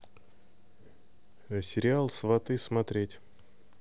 сериал сваты смотреть